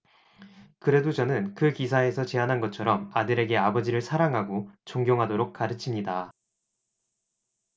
그래도 저는 그 기사에서 제안한 것처럼 아들에게 아버지를 사랑하고 존경하도록 가르칩니다